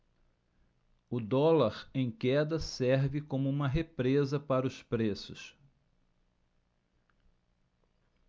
o dólar em queda serve como uma represa para os preços